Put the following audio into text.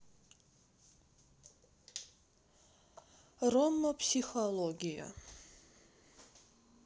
рома психология